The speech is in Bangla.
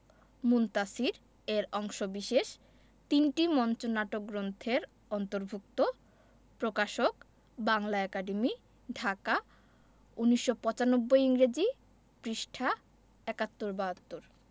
মুনতাসীর এর অংশবিশেষ তিনটি মঞ্চনাটক গ্রন্থের অন্তর্ভুক্ত প্রকাশকঃ বাংলা একাডেমী ঢাকা ১৯৯৫ ইংরেজি পৃষ্ঠা ৭১ ৭২